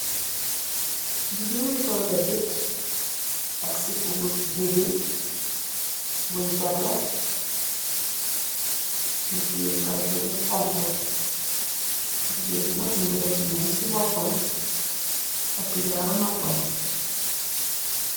Jigeen bu sul dagit ak sipuh bu green bunye perr leh mi teyeh kalpeh bu xong khu jigeen bi mungi def mess si bopam takuh jaru si nopam .